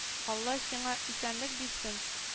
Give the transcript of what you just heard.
Алла сиңа исәнлек бирсен